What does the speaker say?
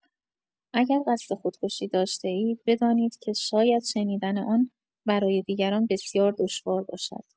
اگر قصد خودکشی داشته‌اید، بدانید که شاید شنیدن آن برای دیگران بسیار دشوار باشد.